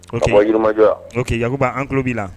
Ok Yakuba an tulo b'i la